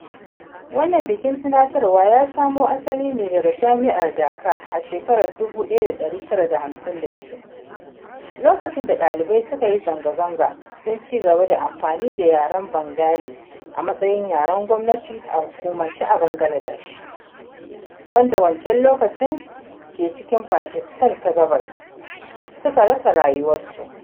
Wannan bikin tunawar ya samo asali ne daga Jami’ar Dhaka a shekarar 1952, lokacin da ɗalibai suka yi zanga-zanga don ci gaba da amfani da yaren Bengali a matsayin yaren gwamnati a hukumance a Bangladesh (wadda a wancan lokacin ke cikin Pakistan ta Gabas) suka rasa rayukansu.